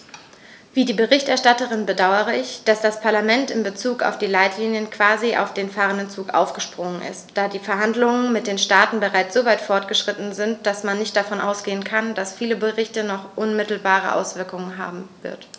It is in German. Wie die Berichterstatterin bedaure ich, dass das Parlament in bezug auf die Leitlinien quasi auf den fahrenden Zug aufgesprungen ist, da die Verhandlungen mit den Staaten bereits so weit fortgeschritten sind, dass man nicht davon ausgehen kann, dass dieser Bericht noch unmittelbare Auswirkungen haben wird.